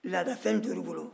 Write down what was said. laadafɛn tora u bolo